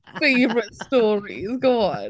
favourite stories, go on!